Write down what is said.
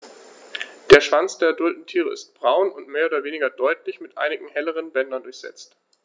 Der Schwanz der adulten Tiere ist braun und mehr oder weniger deutlich mit einigen helleren Bändern durchsetzt.